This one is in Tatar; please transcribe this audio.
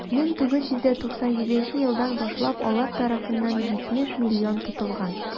1997 елдан башлап алар тарафыннан 70 млн тотылган.